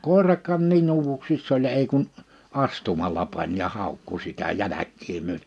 koirakaan niin uuvuksissa oli ei kuin astumalla pani ja haukkui sitä jälkiä myöten